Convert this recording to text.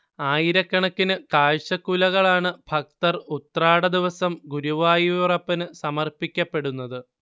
ആയിരക്കണക്കിന് കാഴ്ചകുലകളാണ് ഭക്തർ ഉത്രാടദിവസം ഗുരുവായൂരപ്പനു സമർപ്പിക്കപ്പെടുന്നത്